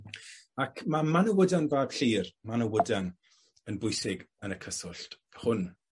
Ac ma' Manawydan fab Llŷr, Manawydan yn bwysig yn y cyswllt hwn.